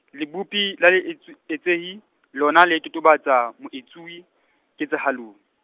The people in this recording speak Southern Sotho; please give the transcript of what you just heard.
Lebopi la leetswi-, -etsehi lona le totobatsa, moetsuwi, ketsahalong.